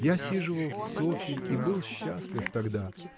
– я сиживал с Софьей и был счастлив тогда.